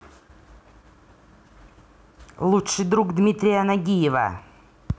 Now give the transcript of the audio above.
лучший друг дмитрия нагиева